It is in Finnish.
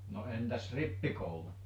no entäs rippikoulu